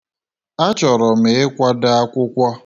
Achọrọ m ịkwado akwụkwọ.